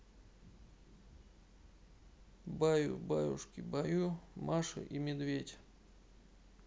баю баюшки баю маша и медведь